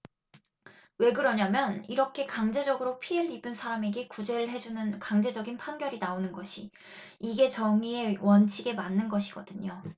왜 그러냐면 이렇게 강제적으로 피해를 입은 사람에게 구제를 해 주는 강제적인 판결이 나오는 것이 이게 정의의 원칙에 맞는 것이거든요